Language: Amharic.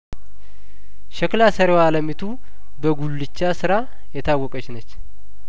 ሸክላ ሰሪዋ አለሚቱ በጉልቻ ስራ የታወቀችነች